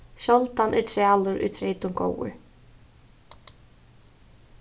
sjáldan er trælur í treytum góður